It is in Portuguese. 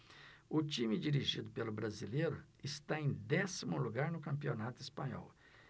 o time dirigido pelo brasileiro está em décimo lugar no campeonato espanhol